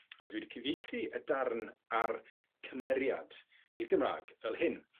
a oedd wedi cyfieithu y darn ar cymeriad i'r gymra'g fel hyn.